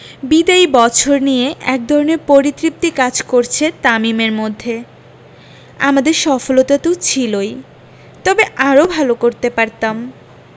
বিদায়ী বছর নিয়ে একধরনের পরিতৃপ্তি কাজ করছে তামিমের মধ্যে আমাদের সফলতা তো ছিলই তবে আরও ভালো করতে পারতাম